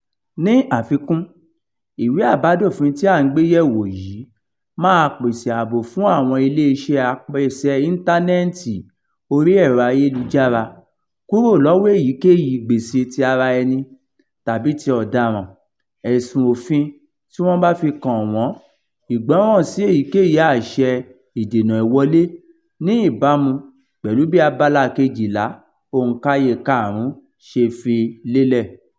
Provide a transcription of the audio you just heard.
Ní àfikún, ìwé àbádòfin tí a ń gbé yẹ̀ wò yìí máa pèsè ààbò fún àwọn ilé-iṣẹ́ apèsè íńtánẹ̀tìì orí ẹ̀rọ ayélujára kórò lọ́wọ èyíkéyìí "gbèsè ti ara ẹni tàbí ti ọ̀daràn" ẹ̀sùn òfin tí wọ́n bá fi kàn wọ́n "ìgbọràn sí èyíkéyìí àṣẹ ìdènà ìwọlé" ní ìbámu pẹ̀lú bí abala 12, òǹkàye 5 ṣe fi lélẹ̀